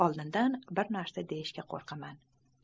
oldindan bir narsa deyishga qo'rqaman